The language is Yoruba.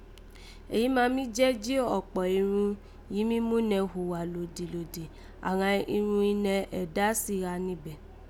Èyí ma mí jẹ́ jí ọ̀kpọ̀ irun yìí mí mú nẹ́ hùwà lódìlódì, àghan irun ìnẹ́ ẹ̀dá sì gha níbẹ̀